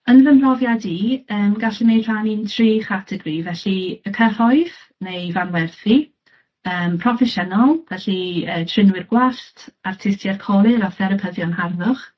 Yn fy mhrofiad i, yym gallwn ni eu rhannu'n tri chategori. Felly y cyhoedd neu fanwerthu yym proffesiynol, felly yy trinwyr gwallt, artistiaid colur a therapyddion harddwch,